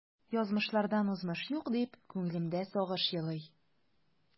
Язмышлардан узмыш юк, дип күңелемдә сагыш елый.